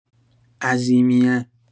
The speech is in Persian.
عظیمیه